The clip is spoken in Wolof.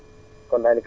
waaw